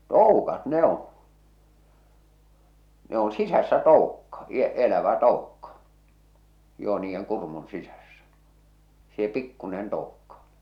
toukat ne on ne on sisässä toukka - elävä toukka joo niiden kurmun sisässä se pikkuinen toukka